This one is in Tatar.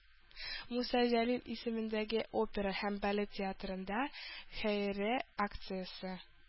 Муса Җәлил исемендәге опера һәм балет театрында – хәйрия акциясе